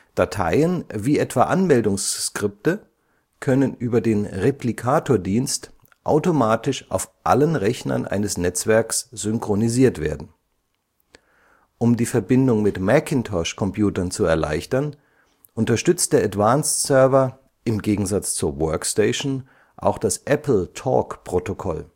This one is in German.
Dateien, wie etwa Anmeldungsskripte, können über den Replikatordienst automatisch auf allen Rechnern eines Netzwerks synchronisiert werden. Um die Verbindung mit Macintosh-Computern zu erleichtern, unterstützt der Advanced Server im Gegensatz zur Workstation auch das AppleTalk-Protokoll